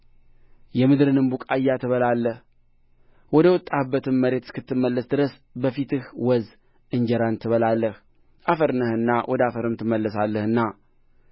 የምድርንም ቡቃያ ትበላለህ ወደ ወጣህበት መሬት እስክትመለስ ድረስ በፊትህ ወዝ እንጀራን ትበላለህ አፈር ነህና ወደ አፈርም ትመለሳለህና